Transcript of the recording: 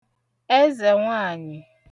ẹzẹ̀nwaànyị̀